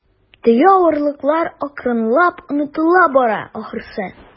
Теге авырлыклар акрынлап онытыла бара, ахрысы.